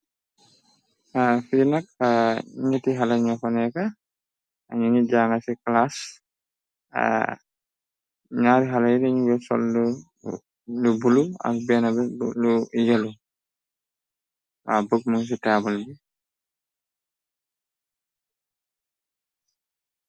Fi nak nëtti haley nyo fa nekka, nungi jànga ci palaas, naari haley nungi sol lu bulo ak benna bu yellow, book mung ci taabul bi.